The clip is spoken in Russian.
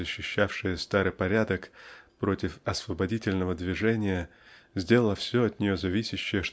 защищавшая "старый порядок" против освободительного движения сделала все от нее зависящее